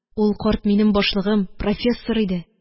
Ул карт минем башлыгым – профессор иде